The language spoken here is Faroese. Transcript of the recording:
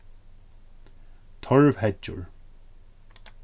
torvheyggjur